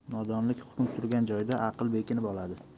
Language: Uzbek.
nodonlik hukm surgan joyda aql berkinib oladi